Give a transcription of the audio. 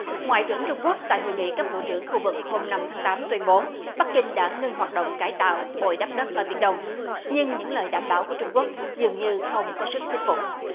ngoại trưởng trung quốc tại hội nghị cấp bộ trưởng khu vực hôm năm tháng tám tuyên bố bắc kinh đã ngưng hoạt động cải tạo bồi đắp đất ở biển đông nhưng những lời đảm bảo của trung quốc dường như không có sức thuyết phục